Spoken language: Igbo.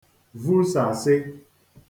vusàsị